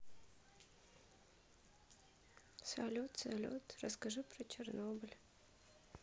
салют салют расскажи про чернобыль